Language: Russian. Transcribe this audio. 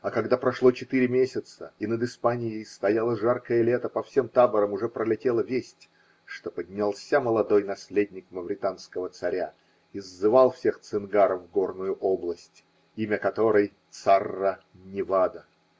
А когда прошло четыре месяца и над Испанией стояло жаркое лето, по всем таборам уже пролетела весть, что поднялся молодой наследник мавританского царя и сзывал всех цингаро в горную область, имя которой Царра-Невада.